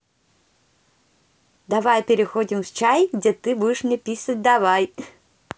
давай переходим в чай где ты будешь мне писать давай